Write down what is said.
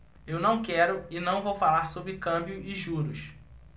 eu não quero e não vou falar sobre câmbio e juros